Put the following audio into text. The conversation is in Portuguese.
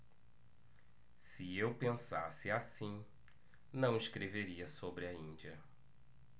se eu pensasse assim não escreveria sobre a índia